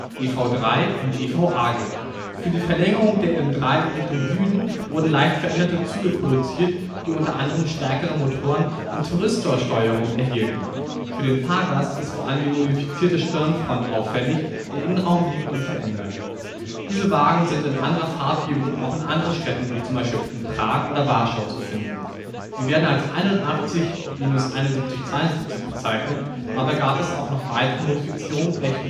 Ev3 und EvA gibt. Für die Verlängerung der M3 in Richtung Süden wurden leicht veränderte Züge produziert, die unter anderem stärkere Motoren und Thyristorsteuerungen erhielten. Für den Fahrgast ist vor allem die modifizierte Stirnfront auffällig, der Innenraum blieb unverändert. Diese Wagen sind in anderer Farbgebung auch in anderen Städten, wie zum Beispiel in Prag oder Warschau zu finden. Sie werden als 81-7172 bezeichnet, dabei gab es aber auch noch weitere Modifizierungen, welche